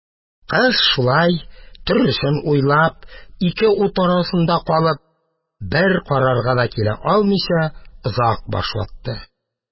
Кыз, шулай төрлесен уйлап, ике ут арасында калып, бер карарга да килә алмыйча, озак баш ватты.